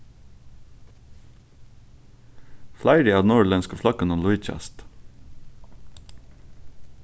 fleiri av norðurlendsku fløggunum líkjast